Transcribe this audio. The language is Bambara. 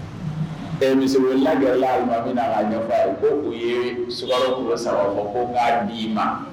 E misiriwelela gɛrɛla alimami na k'a ɲɛfɔ a ye ko u ye sukaro kilo 3 bɔ ko n k'a d'i ma